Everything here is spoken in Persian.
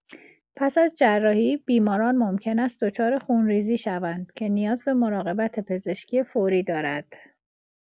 پس از جراحی، بیماران ممکن است دچار خونریزی شوند که نیاز به مراقبت پزشکی فوری دارد.